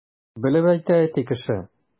Белеп әйтә әти кеше!